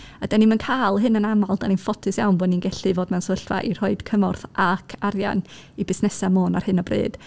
A dan ni'm yn cael hyn yn aml, dan ni'n ffodus iawn bod ni'n gallu fod mewn sefyllfa i rhoid cymorth ac arian i busnesau Môn ar hyn o bryd.